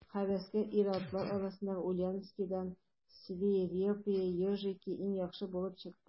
Һәвәскәр ир-атлар арасында Ульяновскидан «Свирепые ежики» иң яхшы булып чыкты.